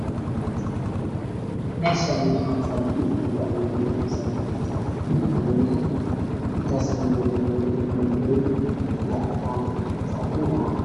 Meeshan waxaa saaran bacweyene iyo garab saarkiisa bacweynaha intaas oo midab ah buu leeyahay madoow iyo cadaan garb saarkana waa cadaan